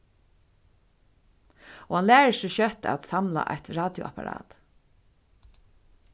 og hann lærir seg skjótt at samla eitt radioapparat